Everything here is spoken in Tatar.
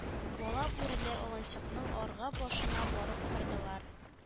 Бала бүреләр аланчыкның аргы башына барып утырдылар